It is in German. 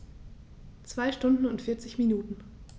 2 Stunden und 40 Minuten